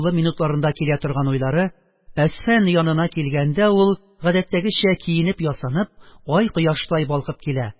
Минутларында килә торган уйлары, әсфан янына килгәндә, ул, гадәттәгечә, киенеп-ясанып, ай-кояштай балкып килә